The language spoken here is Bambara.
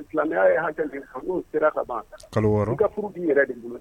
Silamɛya ye hakɛ de fɔ, no sera ka ban, kalo 6 i ka furu bi yɛrɛ de bolo